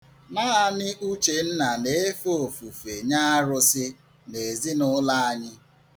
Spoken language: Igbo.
Naanị Uchenna na-efe ofufe nye arụsi n'ezinụlọ anyị.